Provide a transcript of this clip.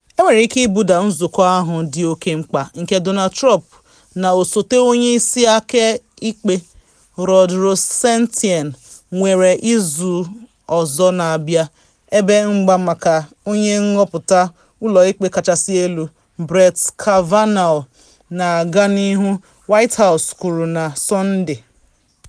Enwere ike ibuda nzụkọ ahụ dị oke mkpa nke Donald Trump na osote onye isi ọka ikpe Rod Rosenstein nwere “izu ọzọ na-abịa” ebe mgba maka onye nhọpụta ụlọ ikpe kachasị elu Brett Kavanaugh na-aga n’ihu, White House kwuru na Sọnde.